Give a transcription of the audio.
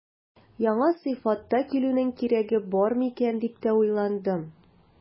Яңа сыйфатта килүнең кирәге бар микән дип тә уйландым.